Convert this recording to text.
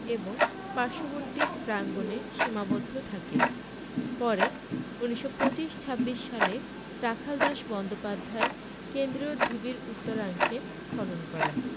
এবং পার্শ্ববর্তী প্রাঙ্গনে সীমাবদ্ধ থাকে পরে ১৯২৫ ২৬ সালে রাখালদাস বন্দ্যোপাধ্যায় কেন্দ্রীয় ঢিবির উত্তরাংশে খনন করেন